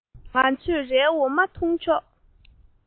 ང ཚོས རའི འོ མ འཐུང ཆོག